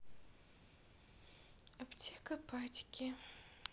аптеки падики